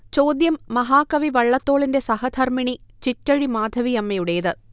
ചോദ്യം മഹാകവി വള്ളത്തോളിന്റെ സഹധർമ്മിണി ചിറ്റഴി മാധവിയമ്മയുടേത്